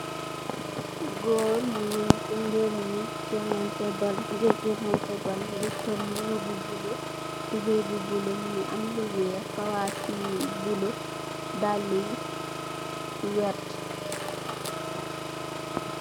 Goor mung ci mberemu juganteh bal muge juganteh bal muge sol mubu bu bulo tubaye bu bulo muge am weex kawass yu bulo dalle yu werte.